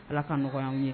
Ala ka nɔgɔya anww ye